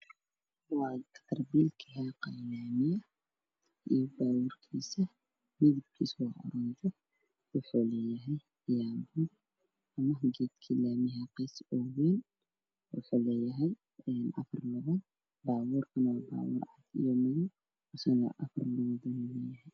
Waa cagaf cagaf xaaqayay laamiga iyo baabuurkiisa kalarkiisu waa oranji waxuu leeyahay yaambo iyo afar lugo, baabuurka waa cadaan iyo madow.